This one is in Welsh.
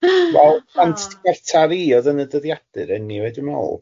Wel cant get ar i odd yn y dyddiadur eniwe dwi'n mewl de?